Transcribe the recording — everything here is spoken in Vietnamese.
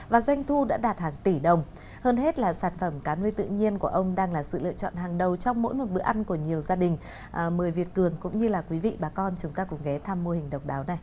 và doanh thu đã đạt hàng tỷ đồng hơn hết là sản phẩm cá nuôi tự nhiên của ông đang là sự lựa chọn hàng đầu trong mỗi một bữa ăn của nhiều gia đình à mời việt cường cũng như là quý vị bà con chúng ta cùng ghé thăm mô hình độc đáo này